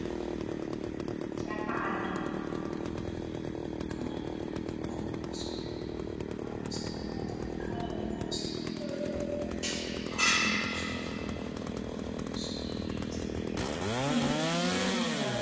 Meeshan waxaa yaalla telefoon